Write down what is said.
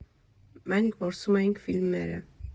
Մենք որսում էինք ֆիլմերը։